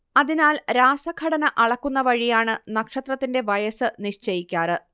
അതിനാൽ രാസഘടന അളക്കുന്നവഴിയാണ് നക്ഷത്രത്തിന്റെ വയസ്സ് നിശ്ചയിക്കാറ്